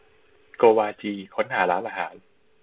โกวาจีค้นหาร้านอาหาร